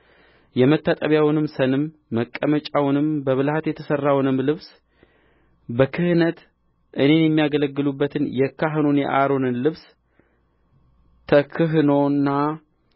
የመታጠቢያውን ሰንም መቀመጫውንም በብልሃት የተሠራውንም ልብስ በክህነት እኔን የሚያገለግሉበትን የካህኑን የአሮንን ልብሰ ተክህኖና